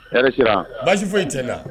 Hɛrɛ sira baasi foyi tɛ na.